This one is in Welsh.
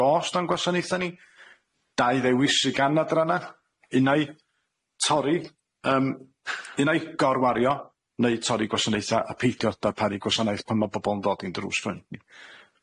gosd o'n gwasanaetha ni, dau ddewis sy' gan adranna unai torri yym neu gorwario neu torri gwasanaetha a peidio darparu gwasanaeth pan ma' bobol yn dod i'n drws fyny.